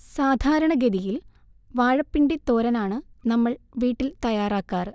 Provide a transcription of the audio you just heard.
സാധാരണഗതിയിൽ വാഴപ്പിണ്ടി തോരനാണ് നമ്മൾ വീട്ടിൽ തയ്യാറാക്കാറ്